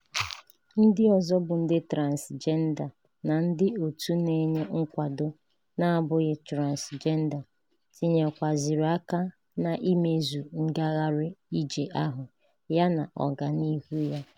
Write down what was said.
Ndị ọzọ bụ ndị transịjenda na ndị òtù na-enye nkwado na-abụghị transịjenda tinyekwazịrị aka n'imezu ngagharị ije ahụ yana ọganihu ya.